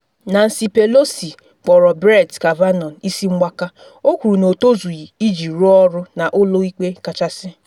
Nancy Pelosi kpọrọ Brett Kavanaugh “isi mgbaka,” o kwuru na o tozughi iji rụọ ọrụ na Ụlọ Ikpe Kachasị